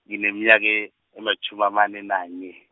ngineminyaka e-, ematjhumi amane nanye.